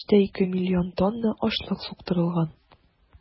3,2 млн тонна ашлык суктырылган.